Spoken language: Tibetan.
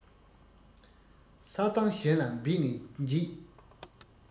ས གཙང གཞན ལ འབད ནས འབྱིད